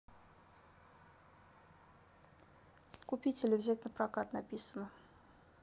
купить или взять напрокат написано